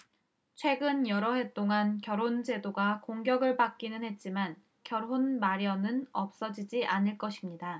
최근 여러 해 동안 결혼 제도가 공격을 받기는 했지만 결혼 마련은 없어지지 않을 것입니다